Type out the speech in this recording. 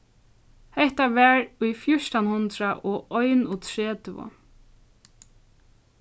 hetta var í fjúrtan hundrað og einogtretivu